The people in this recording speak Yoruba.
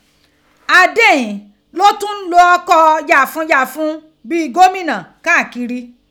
Ade ghin lo tun n lo ọkọ yafunyafun bii gomina kaakiri.